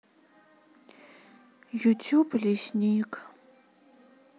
ютуб лесник